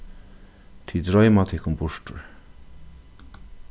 tit droyma tykkum burtur